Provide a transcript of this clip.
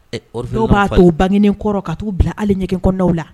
Ɛ orphelinat falen, dɔw b'a to u bangenen kɔrɔ ka t'u bila hali ɲɛgɛn kɔnɔnaw la